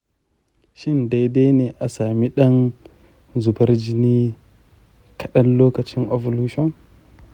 shin daidai ne a sami ɗan zubar jini kaɗan lokacin ovulation?